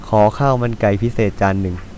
ขอข้าวมันไก่พิเศษจานนึง